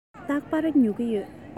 རྟག པར ཉོ གི ཡོད